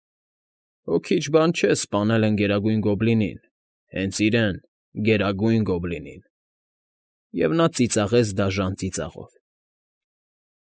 Հո քիչ բան չէ, սպանել են Գերագույն Գոբլինին, հենց իրեն՝ Գերագույն Գոբլինին։֊ Եվ նա ծիծաղեց դաժան ծիծաղով։ ֊